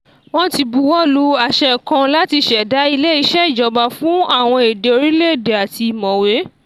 "Wọ́n ti buwọ lu àṣẹ kan láti ṣẹ̀dá Ilé-iṣẹ́ Ìjọba fún àwọn Èdè Orílẹ̀-èdè àti Ìmọ̀wé."